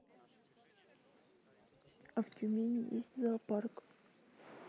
а в тюмени есть зоопарк